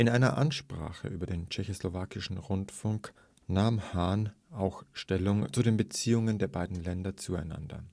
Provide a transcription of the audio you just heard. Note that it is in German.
einer Ansprache über den tschechoslowakischen Rundfunk nahm Hahn auch Stellung zu den Beziehungen der beiden Länder zueinander